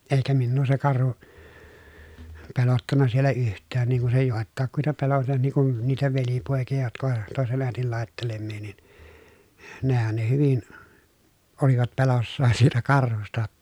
eikä minua se karhu pelottanut siellä yhtään niin kuin se joitakuita pelotti niin kuin niitä velipoikia jotka ovat toisen äidin laittelemia niin nehän ne hyvin olivat peloissaan siitä karhusta jotta